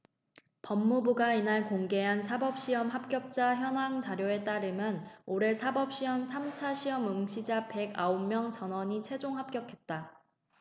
법무부가 이날 공개한 사법시험 합격자 현황 자료에 따르면 올해 사법시험 삼 차 시험 응시자 백 아홉 명 전원이 최종 합격했다